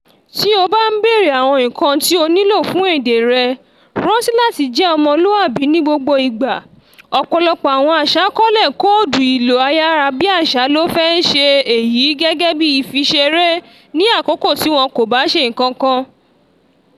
Tí ó bá ń béèrè àwọn nǹkan tí o nílò fún èdè rẹ, rántí láti jẹ́ ọmọlúwàbí ní gbogbo ìgbà - ọ̀pọ̀lọpọ̀ àwọn aṣàkọ́ọ́lẹ̀ kóòdù ìlò ayárabíàsá lọ́fẹ̀ẹ́ ń ṣe èyí gẹ́gẹ́ bíi ìfiṣeré ní àkọ́kọ́ tí wọ́n kò bá ṣe nǹkankan.